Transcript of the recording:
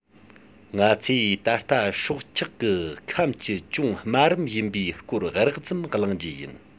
ང ཚོས ད ལྟ སྲོག ཆགས ཀྱི ཁམས ཀྱི ཅུང དམའ རིམ ཡིན པའི སྐོར རགས ཙམ གླེང རྒྱུ ཡིན